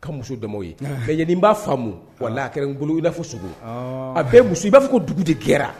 Ka muso damaw ye mais yani n b'a faamu walahi a kɛra n bolo i b'a fɔ ko suko a bɛɛ muso i b'a fɔ ko dugu de jɛra.